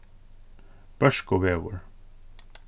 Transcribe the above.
børkuvegur